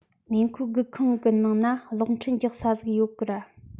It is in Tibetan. མེ འཁོར སྒུག ཁང གི ནང ན གློག འཕྲིན རྒྱག ས ཟིག ར ཡོད གི